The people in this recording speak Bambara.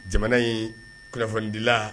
Jamana in kunnafonidilila